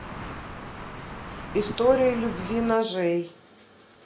история любви ножей